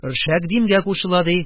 Өршәк Димгә кушыла, ди.